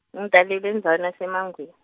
ngitalelwa endzaweni yaseMangweni.